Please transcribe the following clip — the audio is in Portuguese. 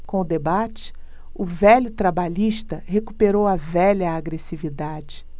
com o debate o velho trabalhista recuperou a velha agressividade